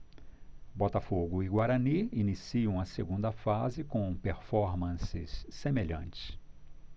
botafogo e guarani iniciaram a segunda fase com performances semelhantes